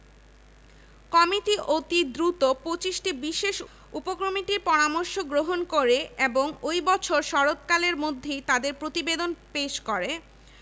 বাংলাকে পুনরায় বিভক্ত করার কোনো পদক্ষেপ সরকার কর্তৃক গৃহীত হবে না তিনি আরও বলেন যে এ নতুন বিশ্ববিদ্যালয় হবে আবাসিক এবং তা সকলের জন্য উন্মুক্ত থাকবে